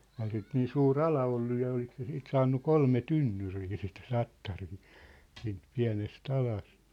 eihän sitä niin suuri ala ollut ja oliko se siitä saanut kolme tynnyriä sitten tattaria siitä pienestä alasta